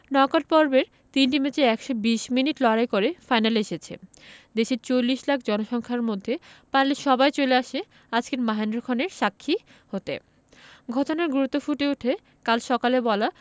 knock out পর্বের তিনটি ম্যাচে ১২০ মিনিট লড়াই করে ফাইনালে এসেছে দেশটির ৪০ লাখ জনসংখ্যার মধ্যে পারলে সবাই চলে আসে আজকের মাহেন্দ্রক্ষণের সাক্ষী হতে ঘটনার গুরুত্ব ফুটে ওঠে কাল সকালে বলা